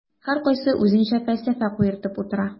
Һәркайсы үзенчә фәлсәфә куертып утыра.